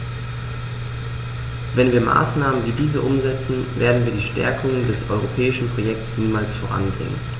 Wenn wir Maßnahmen wie diese umsetzen, werden wir die Stärkung des europäischen Projekts niemals voranbringen.